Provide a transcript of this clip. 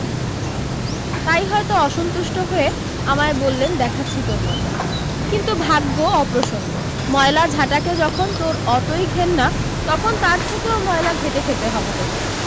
তাই হয়তো অসন্তুষ্ট হয়ে আমায় বললেন দেখাচ্ছি তোর মজা কিন্তু ভাগ্য অপ্রসন্ন ময়লা ঝাঁটাকে যখন তোর অতৈ ঘেন্না তখন তার থেকেও ময়লা ঘেঁটে খেতে হবে তোকে